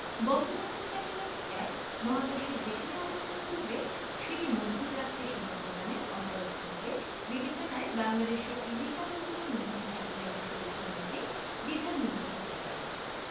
Bangabandhu satellite ১ মহাকাশের যেখানে অবস্থান করবে সেটি মধ্যপ্রাচ্যে সেবা প্রদানে অপারগ থাকবে বিবেচনায় বাংলাদেশের টিভি চ্যানেলগুলো নতুন স্যাটেলাইটের সুবিধা নিতে দ্বিধান্বিত থাকতে পারে